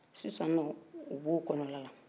sisan nɔ u bɛ o kɔnɔna na